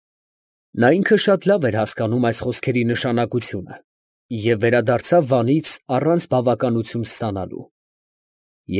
Նա ինքը շատ լավ էր հասկանում այս խոսքերի նշանակությունը և վերադարձավ Վանից առանց բավականություն ստանալու։